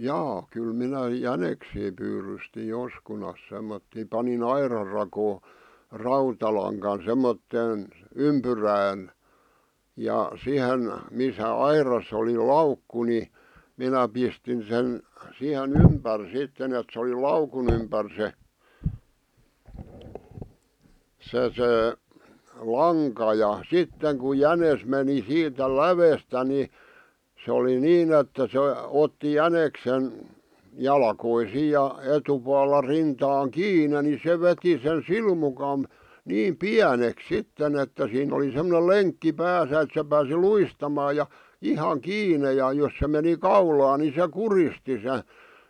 jaa kyllä minä jäniksiä pyydystin joskus semmoisia panin aidan rakoon rautalangan semmoiseen ympyrään ja siihen missä aidassa oli laukku niin minä pistin sen siihen ympäri sitten että se oli laukun ympäri se se se lanka ja sitten kun jänis meni siitä lävestä niin se oli niin että se otti jäniksen jalkoihin ja etupuolella rintaan kiinni niin se veti sen silmukan niin pieneksi sitten että siinä oli semmoinen lenkki päässä että se pääsi luistamaan ja ihan kiinni ja jos se meni kaulaan niin se kuristi se